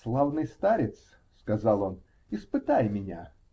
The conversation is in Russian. -- Славный старец, -- сказал он, -- испытай меня.